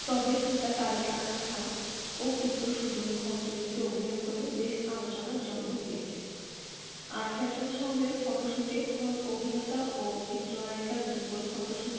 তবে পিতা তারিক আনাম খান ও পুত্র সুজন খল চরিত্রে অভিনয় করে বেশ আলোচনার জন্ম দিয়েছেন আর ফ্যাশন হাউজের ফটোশুটে খল অভিনেতা ও চিত্রনায়িকার যুগল ফটোশুট